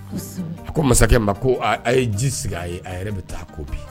A ko masakɛ ma ko a ye ji sigi a a yɛrɛ bɛ taa ko bi